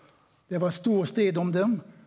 det var stor strid om dei.